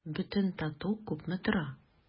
Бөтен тату күпме тора?